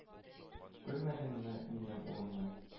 Күрмәдеңме минем улымны?